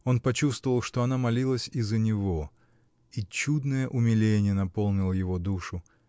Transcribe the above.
Он почувствовал, что она молилась и за него, -- и чудное умиление наполнило его душу.